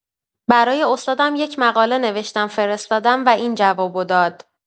برای استادم یک مقاله نوشتم فرستادم این جواب داد.